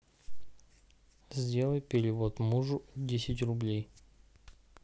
сделай перевод мужу десять рублей